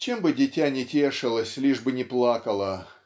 Чем бы дитя ни тешилось, лишь бы не плакало.